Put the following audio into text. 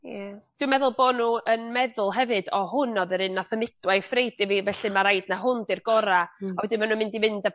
Ie. Dwi'n meddwl bo' n'w yn meddwl hefyd o hwn o'dd yr un nath y midwife roid i fi felly ma' raid na hwn 'dir gora'. Hmm. A wedyn ma' n'w mynd i fynd a